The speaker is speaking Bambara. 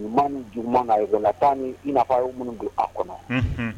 Ɲuman ju man ka taa ni i ye' minnu don a kɔnɔ